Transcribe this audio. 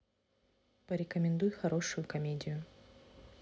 порекомендуй хорошую комедию